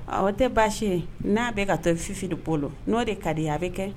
Ɔ tɛ baasi ye n'a bɛ ka to fifi de bolo n'o de ka di a bɛ kɛ